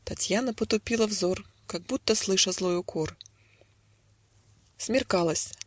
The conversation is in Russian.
- Татьяна потупила взор, Как будто слыша злой укор. Смеркалось